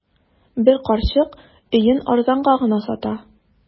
Бер карчык өен арзанга гына сата.